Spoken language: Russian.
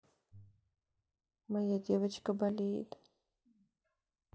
моя девочка болеет